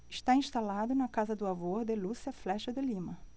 está instalado na casa do avô de lúcia flexa de lima